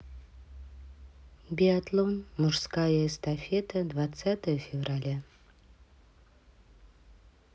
биатлон мужская эстафета двадцатое февраля